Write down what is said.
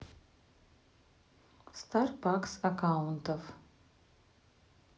starbucks аккаунтов